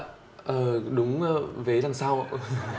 ờ đúng ơ vế đằng sau